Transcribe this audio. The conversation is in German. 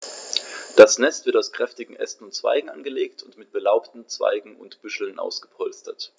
Das Nest wird aus kräftigen Ästen und Zweigen angelegt und mit belaubten Zweigen und Büscheln ausgepolstert.